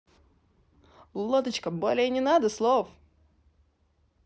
лодочка более не надо слов